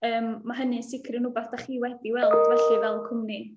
Yym ma' hynny'n sicr yn rywbeth dach chi wedi gweld felly fel cwmni?